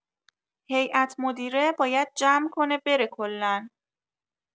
هیئت‌مدیره باید جمع کنه بره کلا